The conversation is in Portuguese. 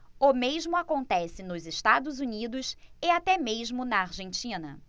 o mesmo acontece nos estados unidos e até mesmo na argentina